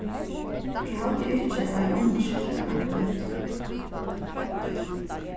eg haldi ikki at jonna skilti hvat vit vildu